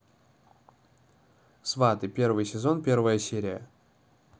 сваты первый сезон первая серия